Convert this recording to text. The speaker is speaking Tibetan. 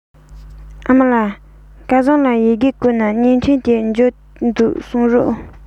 ཨ མ ལགས སྐལ བཟང ལ ཡི གེ བསྐུར ན བརྙན འཕྲིན དེ འབྱོར འདུག གསུངས རོགས